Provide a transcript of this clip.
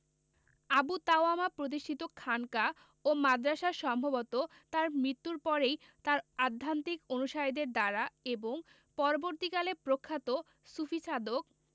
আবু তাওয়ামা প্রতিষ্ঠিত খানকা ও মাদ্রাসা সম্ভবত তাঁর মৃত্যুর পরেও তাঁর আধ্যাত্মিক অনুসারীদের দ্বারা এবং পরবর্তীকালে প্রখ্যাত সুফিসাধক